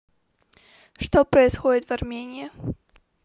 что происходит в армении